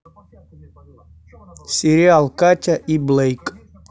сериал катя и блейк